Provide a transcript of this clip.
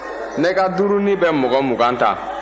ne ka duurunin bɛ mɔgɔ mugan ta